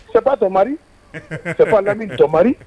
Sato mariri sa lamito mariri